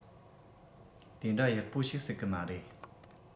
དེ འདྲ ཡག པོ ཞིག སྲིད གི མ རེད